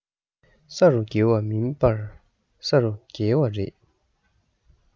ས རུ འགྱེལ བ མིན པར ས རུ བསྒྱེལ བ རེད